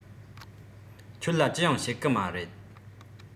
ཁྱོད ལ ཅི ཡང བཤད གི མ རེད